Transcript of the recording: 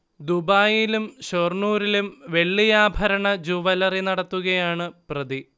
ദുബായിലും ഷൊർണൂരിലും വെള്ളിആഭരണ ജൂവലറി നടത്തുകയാണ് പ്രതി